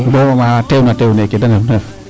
Bo ma teew na teew meeke da ndefna ndef?